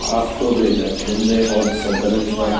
aqto'beda bunday hodisa birinchi